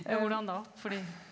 ja hvordan da fordi?